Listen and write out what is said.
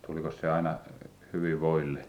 tulikos se aina hyvin voille